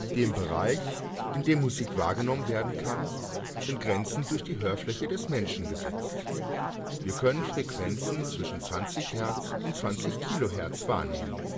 Dem Bereich, in dem Musik wahrgenommen werden kann, sind Grenzen durch die Hörfläche des Menschen gesetzt. Wir können Frequenzen zwischen 20 Hz und 20 kHz wahrnehmen